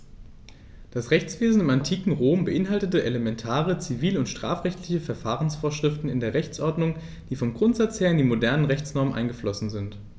Das Rechtswesen im antiken Rom beinhaltete elementare zivil- und strafrechtliche Verfahrensvorschriften in der Rechtsordnung, die vom Grundsatz her in die modernen Rechtsnormen eingeflossen sind.